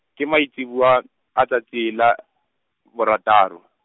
ke maitsiboa, a tsatsi la, borataro.